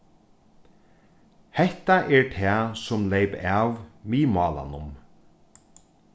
hetta er tað sum leyp av miðmálanum